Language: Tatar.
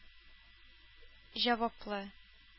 Җаваплы